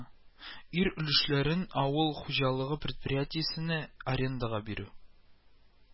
Ир өлешләрен авыл хуҗалыгы предприятиесенә арендага бирү